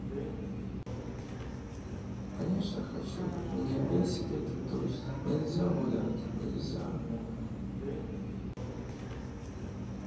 конечно хочу меня бесит этот дождь нельзя гулять нельзя